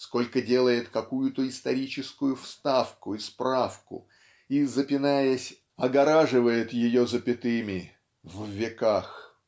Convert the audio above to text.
сколько делает какую-то историческую вставку и справку и запинаясь огораживает ее запятыми "в веках".